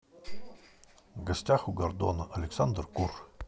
в гостях у гордона александр кур